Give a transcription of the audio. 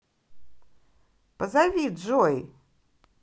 позови джои